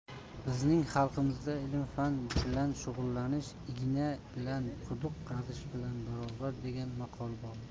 bizning xalqimizda ilm bilan shug'ullanish igna bilan quduq qazish bilan barobar degan maqol bor